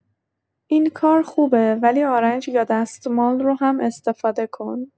این کار خوبه، ولی آرنج یا دستمال رو هم استفاده کن.